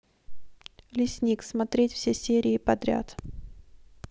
лесник смотреть все серии подряд